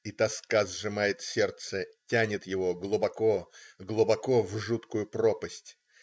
И тоска сжимает сердце, тянет его глубоко, глубоко в жуткую пропасть.